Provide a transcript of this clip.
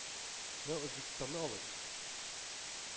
Менә Үзбәкстанны алыйк.